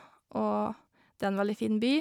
Og det er en veldig fin by.